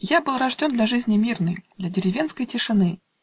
Я был рожден для жизни мирной, Для деревенской тишины